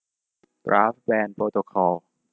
กราฟแบรนด์โปรโตคอล